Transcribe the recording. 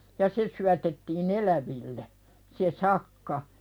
ja se syötettiin eläville se sakka